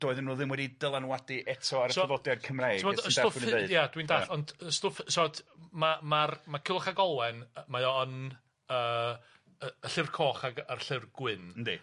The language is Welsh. ...doedden nw ddim wedi dylanwadu eto ar y traddodiad Cymraeg ...ia dwi'n dallt... Ia. ond y stwff so t- ma' ma'r ma' Culhwch ag Olwen yy mae o yn yy y Llyfr Coch ag a'r Llyfr Gwyn yndi?